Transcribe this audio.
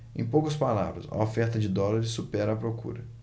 em poucas palavras a oferta de dólares supera a procura